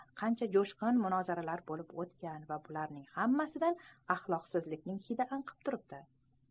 qancha jo'shqin munozaralar bo'lib o'tgan va bularning hammasidan axloqsizlikning hidi anqib turibdi